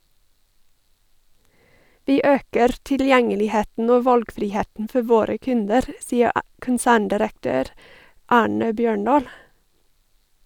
- Vi øker tilgjengeligheten og valgfriheten for våre kunder, sier konserndirektør Arne Bjørndahl.